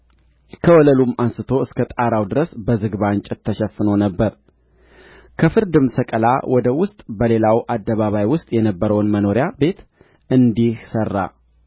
ከወለሉም አንሥቶ እስከ ጣራው ድረስ በዝግባ እንጨት ተሸፍኖ ነበር ከፍርድ ሰቀላ ወደ ውስጥ በሌላውም አደባባይ ውስጥ የነበረውን መኖሪያ ቤት እንዲሁ ሠራ